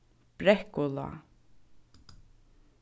brekkulág